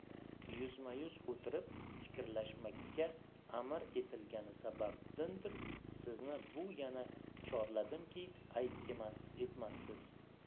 yuzma yuz o'tirib fikrlashmakka amr etilgani sababindan sizni bu yona chorladimki ayb etmassiz